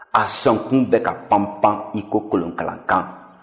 a sɔnkun bɛ ka pan-pan iko kolonkala kan